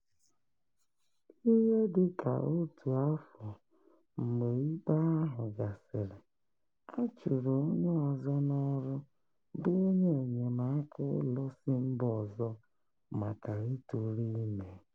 Ihe dị ka otu afọ mgbe ikpe ahụ gasịrị, a chụrụ onye ọzọ n'ọrụ bụ onye enyemaka ụlọ si mba ọzọ maka ịtụrụ ime.